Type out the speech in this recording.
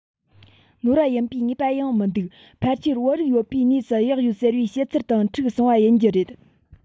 ནོར བ ཡིན པའི ངེས པ ཡང མི འདུག ཕལ ཆེར བོད རིགས ཡོད པའི གནས སུ གཡག ཡོད ཟེར བའི བཤད ཚུལ དང འཁྲུག སོང བ ཡིན རྒྱུ རེད